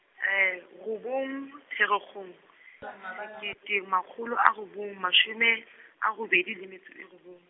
robong, Pherekgong, sekete makgolo a robong mashome, a robedi le metso e robong.